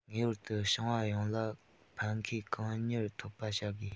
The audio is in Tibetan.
ངེས པར དུ ཞིང པ ཡོངས ལ ཕན ཁེ གང མྱུར ཐོབ པ བྱ དགོས